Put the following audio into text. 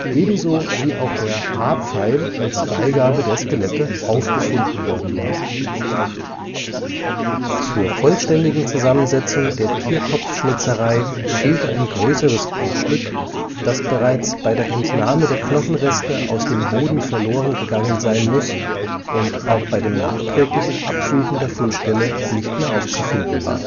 ebenso wie auch der ‚ Haarpfeil ‘als Beigabe der Skelette aufgefunden worden war. Zur vollständigen Zusammensetzung der Tierkopfschnitzerei fehlte ein größeres Bruchstück, das bereits bei der Entnahme der Knochenreste aus dem Boden verloren gegangen sein muß und auch bei dem nachträglichen Absuchen der Fundstelle nicht mehr aufzufinden war